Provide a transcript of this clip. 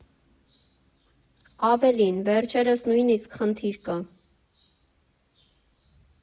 Ավելին, վերջերս նույնիսկ խնդիր կա.